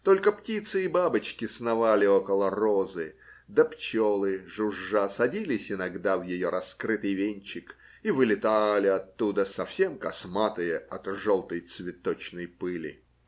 Только птицы и бабочки сновали около розы, да пчелы, жужжа, садились иногда в ее раскрытый венчик и вылетали оттуда, совсем косматые от желтой цветочной пыли.